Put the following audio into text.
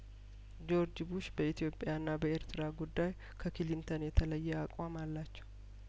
ጆርጅ ቡሽ በኢትዮጵያ ና በኤርትራ ጉዳይከክሊንተን የተለየአቋም አላቸው